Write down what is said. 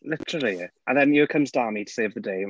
Literally and then here comes Dami to save the day.